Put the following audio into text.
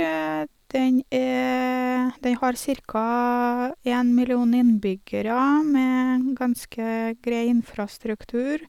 den er Den har cirka en million innbyggere, med ganske grei infrastruktur.